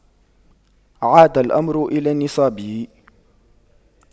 عاد الأمر إلى نصابه